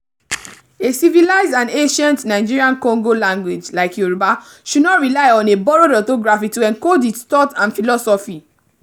A civilized and ancient Niger-Congo language like Yorùbá should not rely on a borrowed orthography to encode its thoughts and philosophy.